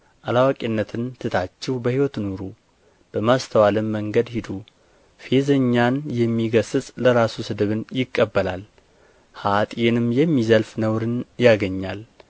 አላዋቂነትን ትታችሁ በሕይወት ኑሩ በማስተዋልም መንገድ ሂዱ ፌዘኛን የሚገሥጽ ለራሱ ስድብን ይቀበላል ኅጥአንም የሚዘልፍ ነውርን ያገኛል